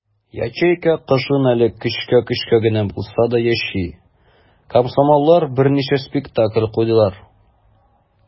Ячейка кышын әле көчкә-көчкә генә булса да яши - комсомоллар берничә спектакль куйдылар.